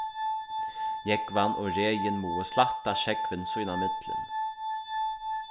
jógvan og regin mugu slætta sjógvin sínámillum